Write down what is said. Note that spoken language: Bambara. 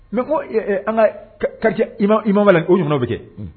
Mɛ ko an ka kari i ma la ounu bɛ kɛ